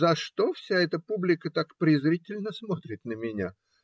"За что вся эта публика так презрительно смотрит на меня?